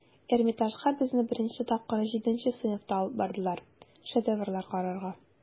Эрмитажга безне беренче тапкыр җиденче сыйныфта алып бардылар, шедеврлар карарга.